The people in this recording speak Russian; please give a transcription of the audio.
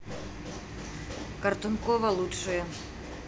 картункова лучшее